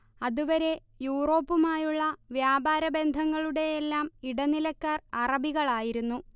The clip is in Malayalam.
അതുവരെ യൂറോപ്പുമായുളള വ്യാപാര ബന്ധങ്ങളുടെയെല്ലാം ഇടനിലക്കാർ അറബികളായിരുന്നു